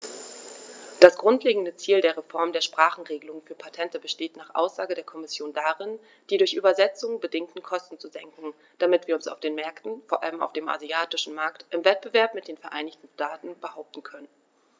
Das grundlegende Ziel der Reform der Sprachenregelung für Patente besteht nach Aussage der Kommission darin, die durch Übersetzungen bedingten Kosten zu senken, damit wir uns auf den Märkten, vor allem auf dem asiatischen Markt, im Wettbewerb mit den Vereinigten Staaten behaupten können.